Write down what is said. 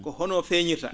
ko hono feeñirta